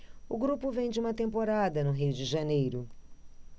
o grupo vem de uma temporada no rio de janeiro